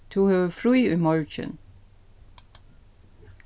tú hevur frí í morgin